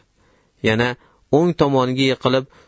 yana o'ng tomoniga yiqilib